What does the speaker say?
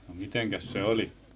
no mitenkäs se oli